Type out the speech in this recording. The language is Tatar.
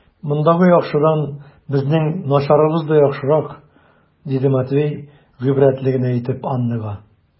Мондагы яхшыдан безнең начарыбыз да яхшырак, - диде Матвей гыйбрәтле генә итеп Аннага.